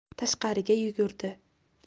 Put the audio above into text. tashqariga yugurdi